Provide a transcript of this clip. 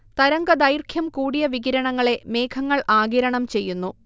തരംഗദൈർഘ്യം കൂടിയ വികിരണങ്ങളെ മേഘങ്ങൾ ആഗിരണം ചെയ്യുന്നു